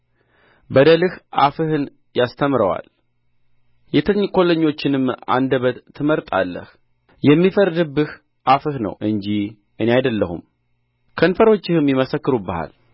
በደልህ አፍህን ያስተምረዋል የተንኰለኞችንም አንደበት ትመርጣለህ የሚፈርድብህ አፍህ ነው እንጂ እኔ አይደለሁም ከንፈሮችህም ይመሰክሩብሃል